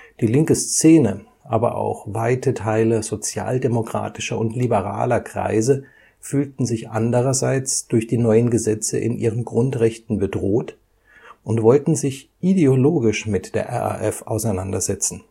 Die linke Szene, aber auch weite Teile sozialdemokratischer und liberaler Kreise fühlten sich andererseits durch die neuen Gesetze in ihren Grundrechten bedroht und wollten sich ideologisch mit der RAF auseinandersetzen